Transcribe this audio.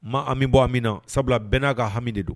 Maa an min bɔ a min na sabula bɛn n'a ka hami de don